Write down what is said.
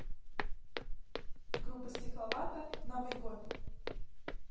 группа стекловата новый год